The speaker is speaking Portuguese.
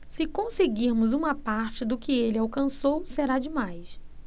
se conseguirmos uma parte do que ele alcançou será demais